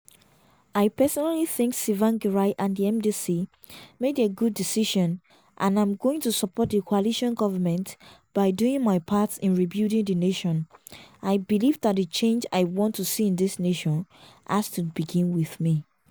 I personally think Tsvangirai and the MDC made a good decision and am going to support the coalition government by doing my part in rebuilding the nation, I believe that the change I want to see in this nation has to begin with me.